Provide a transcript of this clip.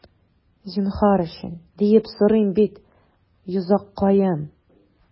Зинһар өчен, диеп сорыйм бит, йозаккаем...